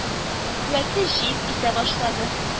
Куәтле җил исә башлады